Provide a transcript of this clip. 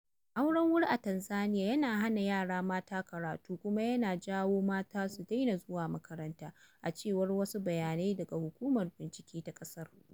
Auren wuri a Tanzaniya yana hana yara mata karatu kuma yana janyo mata su daina zuwa makaranta, a cewar wasu bayanai daga Hukumar Bincike ta ƙasar.